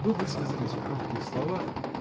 — Вы высказались в коротких словах.